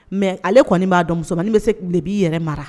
Mɛ ale kɔni b'a dɔn musomanmani bɛ se de b'i yɛrɛ mara